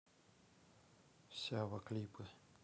сява клипы